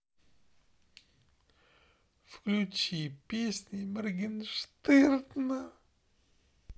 включи песни моргенштерна